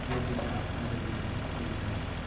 negadir zaharxanda bilan jilmaydi